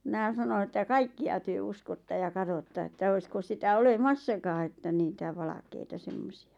minä sanoin että kaikkia te uskotte ja katsotte että olisiko sitä olemassakaan että niitä valkeita semmoisia